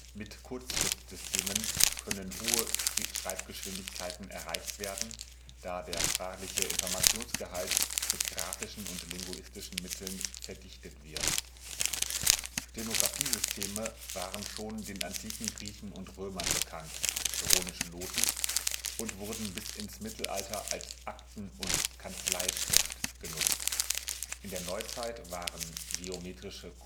Mit Kurzschriftsystemen können hohe Schreibgeschwindigkeiten erreicht werden, da der sprachliche Informationsgehalt mit grafischen und linguistischen Mitteln verdichtet wird (Kürzungstechnik, s. u.). Stenografiesysteme waren schon den antiken Griechen und Römern bekannt (Tironische Noten) und wurden bis ins Mittelalter als Akten - und Kanzleischrift genutzt. In der Neuzeit waren geometrische